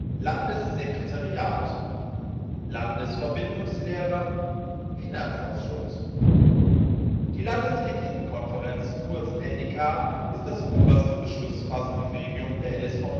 Landessekretariat Landesverbindungslehrer Finanzausschuss Die Landesdelegiertenkonferenz (kurz LDK) ist das oberste beschlussfassende Gremium der LSV Nordrhein-Westfalen